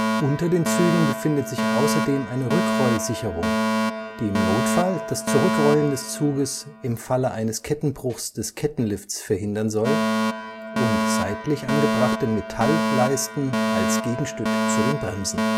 Unter den Zügen befindet sich außerdem eine Rückrollsicherung, die im Notfall das Zurückrollen des Zuges im Falle eines Kettenbruchs des Kettenlifts verhindern soll, und seitlich angebrachte Metallleisten als Gegenstück zu den Bremsen